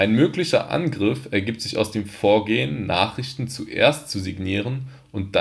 möglicher Angriff ergibt sich aus dem Vorgehen, Nachrichten zuerst zu signieren und